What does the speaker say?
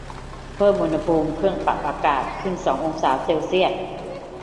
เพิ่มอุณหภูมิเครื่องปรับอากาศขึ้นสององศาเซลเซียส